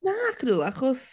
Nac ydw, achos...